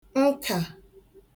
nkà